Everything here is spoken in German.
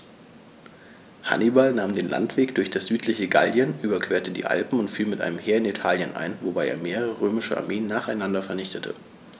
Hannibal nahm den Landweg durch das südliche Gallien, überquerte die Alpen und fiel mit einem Heer in Italien ein, wobei er mehrere römische Armeen nacheinander vernichtete.